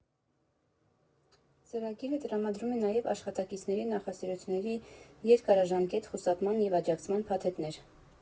Ծրագիրը տրամադրում է նաև աշխատակիցների նախասիրությունների երկարաժամկետ խրախուսման և աջակցման փաթեթներ։